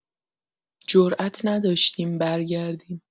جرئت نداشتیم برگردیم.